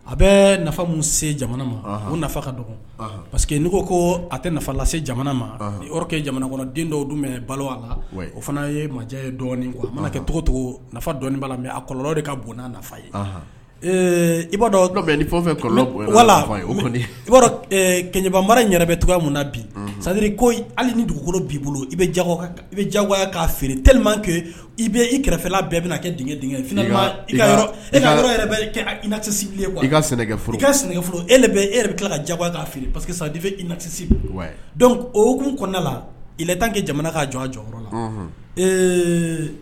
A bɛ nafa se jamana ma nafa ka pa parce que n ko a tɛ nafa lase jamana ma kɛ jamanakɔrɔ den dɔw dun balo a la o fana ye ye a kɛ tɔgɔcogo nafa' mɛ a kɔlɔnlɔ de ka bon nafa ye'a wala i kɛɲɛbama yɛrɛ bɛ cogoya min na bi sari ko hali ni dugukoro b'i bolo i bɛ i bɛ jaya ka feere tli kɛ i bɛ i kɛrɛfɛ bɛɛ bɛ kɛ denkɛ denkɛ iinasi i sɛnɛoro e e yɛrɛ bɛ ka ja pa que sadi iinasi dɔnku o kun kɔnɔnada la i tan kɛ jamana ka jɔ jɔyɔrɔ la